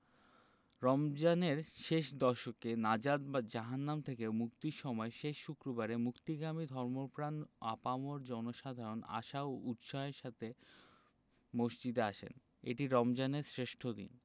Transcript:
রমজানের শেষ দশকে নাজাত বা জাহান্নাম থেকে মুক্তির সময়ে শেষ শুক্রবারে মুক্তিকামী ধর্মপ্রাণ আপামর জনসাধারণ আশা ও উৎসাহের সাথে মসজিদে আসেন এটি রমজানের শ্রেষ্ঠ দিন